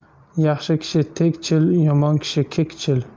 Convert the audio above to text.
yaxshi kishi tegchil yomon kishi kekchil